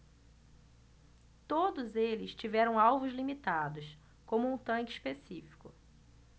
todos eles tiveram alvos limitados como um tanque específico